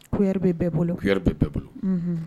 Ko yɛrɛ bɛ bɛɛ bolo ko yɛrɛ bɛ bɛɛ bolo